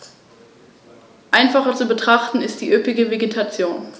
Stattdessen wurden die Informationstafeln um Verhaltensempfehlungen im Falle einer Begegnung mit dem Bären ergänzt.